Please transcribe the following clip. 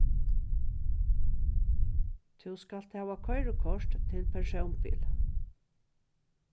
tú skalt hava koyrikort til persónbil